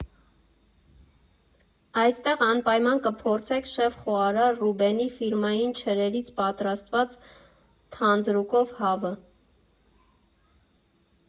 Այստեղ անպայման կփորձեք շեֆ֊խորհարար Ռուբենի ֆիրմային չրերից պատրաստված թանձրուկով հավը։